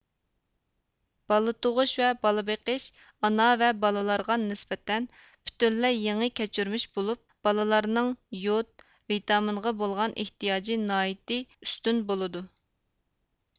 بالا تۇغۇش ۋە بالا بېقىش ئانا ۋە بالىلارغا نىسبەتەن پۈتۈنلەي يېڭى كەچۈرمىش بولۇپ بالىلارنىڭ يود ۋىتامىنغا بولغان ئېھتىياجى ناھايىتى ئۈستۈن بولىدۇ